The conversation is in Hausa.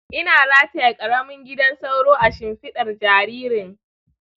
ina rataye ƙaramin gidan sauro a saman shimfiɗar jaririn.